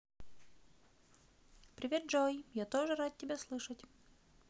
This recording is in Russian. привет джой я тоже рад тебя слышать